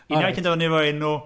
Unai ti'n dod fyny efo enw...